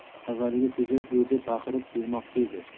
avvaliga tezroq yur deb baqirib bermoqchi edi